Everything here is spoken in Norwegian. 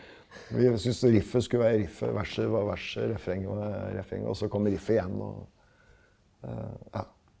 vi synes riffet skulle være riffet, verset var verset, refrenget var refrenget, og så kommer riffet igjen og ja.